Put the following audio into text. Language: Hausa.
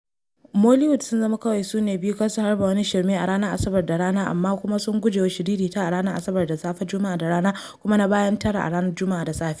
“Moliwood” sun zama kawai su ne biyu kar su harbe wani shirme a ranar Asabar da rana amma kuma sun guje wa shiririta a ranar Asabar da safe, Juma’a da rana kuma na bayan tara a ranar Juma’a da safe.